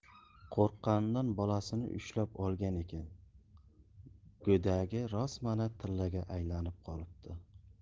qo'rqqanidan bolasini ushlab olgan ekan go'dagi rosmana tillaga aylanib qolibdi